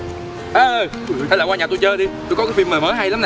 ơ hay là qua nhà tôi chơi đi tôi có cái phim này mới hay lắm nè